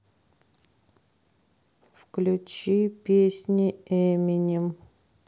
включи песни эминем